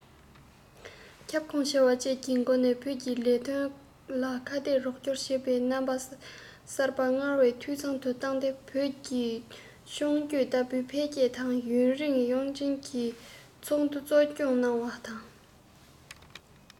ཁྱབ ཁོངས ཆེ བ བཅས ཀྱི སྒོ ནས བོད ཀྱི ལས དོན ལ ཁ གཏད རོགས སྐྱོར བྱེད པའི རྣམ པ གསར པ སྔར བས འཐུས ཚང དུ བཏང སྟེ བོད ཀྱི མཆོང སྐྱོད ལྟ བུའི འཕེལ རྒྱས དང ཡུན རིང དབྱང ཅིན གྱིས ཚོགས འདུ གཙོ སྐྱོང གནང བ དང